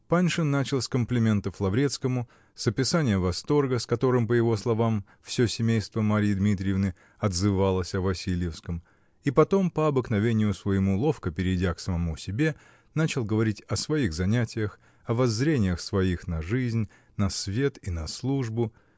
Паншин начал с комплиментов Лаврецкому, с описания восторга, с которым, по его словам, все семейство Марьи Дмитриевны отзывалось о Васильевском, и потом, по обыкновению своему, ловко перейдя к самому себе, начал говорить о своих занятиях, о воззрениях своих на жизнь, на свет и на службу